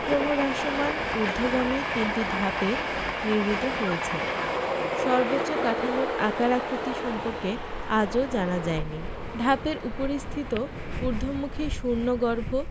ক্রমহ্রাসমান ঊর্ধ্বগামী তিনটি ধাপে নির্মিত হয়েছে সর্বোচ্চ কাঠামোর আকার আকৃতি সম্পর্কে আজও জানা যায় নি ধাপের উপরিস্থিত ঊর্ধ্বমুখী শূন্যগর্ভ